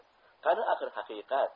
qani axir haqiqat